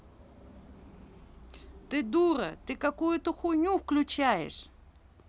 ты дура ты какую хуйню включаешь